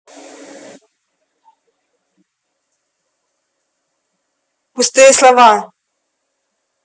пустые слова